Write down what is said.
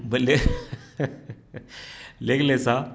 ba lée léeg-léeg sax